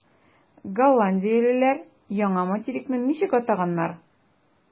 Голландиялеләр яңа материкны ничек атаганнар?